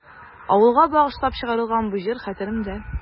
Авылга багышлап чыгарылган бу җыр хәтеремдә.